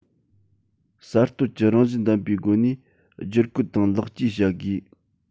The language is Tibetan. གསར གཏོད ཀྱི རང བཞིན ལྡན པའི སྒོ ནས བསྒྱུར བཀོད དང ལེགས བཅོས བྱ དགོས